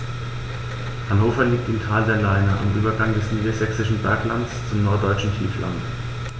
Hannover liegt im Tal der Leine am Übergang des Niedersächsischen Berglands zum Norddeutschen Tiefland.